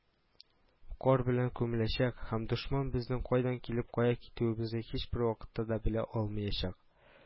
Кар белән күмеләчәк һәм дошман безнең кайдан килеп, кая китүебезне һичбер вакытта да белә алмаячак